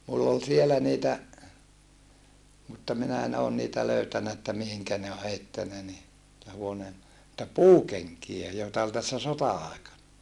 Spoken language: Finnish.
minulla oli siellä niitä mutta minä en ole niitä löytänyt että mihin ne on heittänyt niin - huoneen noita puukenkiä joita oli tässä sota-aikana